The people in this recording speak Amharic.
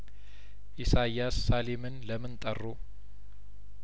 ኢሳያስ ሳሊምን ለምን ጠሩ